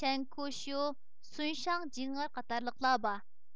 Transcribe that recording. شەنكۇشيۇ سۇنشاڭ جېڭئېر قاتارلىقلار بار